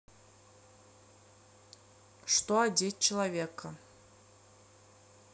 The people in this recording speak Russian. что одеть человека